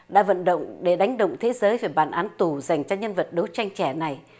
đã vận động để đánh động thế giới phải bản án tù dành cho nhân vật đấu tranh trẻ này